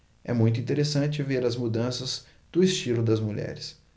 é muito interessante ver as mudanças do estilo das mulheres